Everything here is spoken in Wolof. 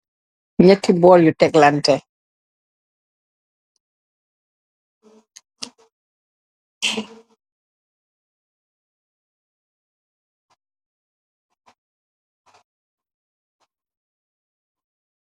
Ñatti bool yu teklaante.